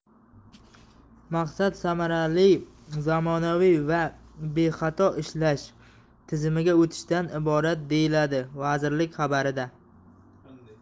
maqsad samarali zamonaviy va bexato ishlash tizimiga o'tishdan iborat deyiladi vazirlik xabarida